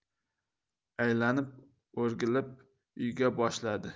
aylanib o'rgilib uyga boshladi